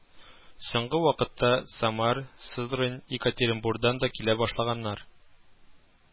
Соңгы вакытта Самар, Сызрань, Екатеринбурдан да килә башлаганнар